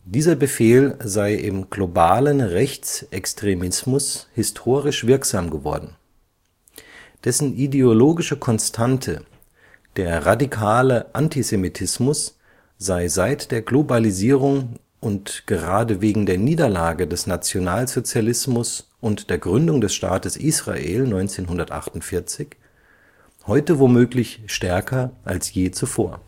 Dieser Befehl sei im globalen Rechtsextremismus historisch wirksam geworden. Dessen ideologische Konstante, der radikale Antisemitismus, sei seit der Globalisierung und gerade wegen der Niederlage des Nationalsozialismus und der Gründung des Staates Israel 1948 heute womöglich stärker als je zuvor